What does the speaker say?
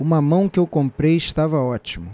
o mamão que eu comprei estava ótimo